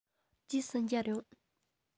རྗེས སུ མཇལ ཡོང